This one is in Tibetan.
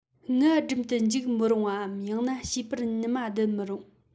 མངལ སྦྲུམ དུ འཇུག མི རུང བའམ ཡང ན བྱིས པར ནུ མ ལྡུད མི རུང